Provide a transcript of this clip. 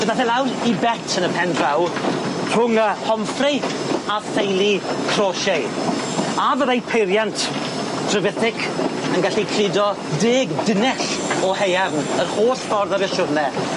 Fe ddath e lawr i bet yn y pen draw rhwng y Homfrey a theulu Carauchete, a fyddai peiriant Trevithick yn gallu cludo deg dunnell o haearn yr holl ffordd ar y siwrne?